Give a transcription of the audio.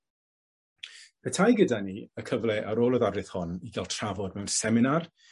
Petai gyda ni y cyfle ar ôl y ddarlith hon i ga'l trafod mewn seminar,